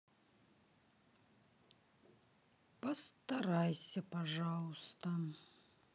постарайся пожалуйста